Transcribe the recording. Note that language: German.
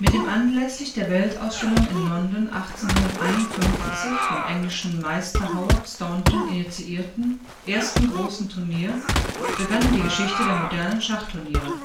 dem anlässlich der Weltausstellung in London 1851 vom englischen Meister Howard Staunton initiierten ersten großen Turnier begann die Geschichte der modernen Schachturniere